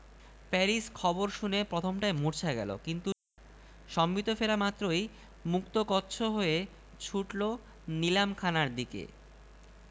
Paris খবর শুনে প্রথমটায় মুর্ছা গেল কিন্তু সম্বিত ফেরা মাত্রই মুক্তকচ্ছ হয়ে ছুটল নিলাম খানার দিকে